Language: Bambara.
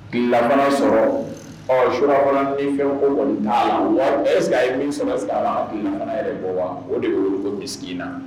Tilena mana sɔrɔ, ɔ surafana ni fɛn ko kɔnni t'a la. Est ce que a ye min sɔrɔ est ce que a b'an tilelafana yɛrɛ bɔ wa? o de wele ko misikiina.